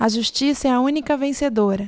a justiça é a única vencedora